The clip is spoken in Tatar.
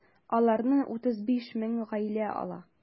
Аларны 34 мең гаилә ала.